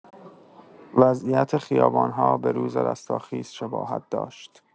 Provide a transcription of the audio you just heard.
وضعیت خیابان‌ها به‌روز رستاخیز شباهت داشت.